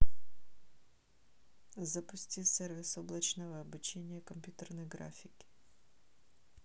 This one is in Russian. запусти сервис облачного обучения компьютерной графики